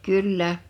kyllä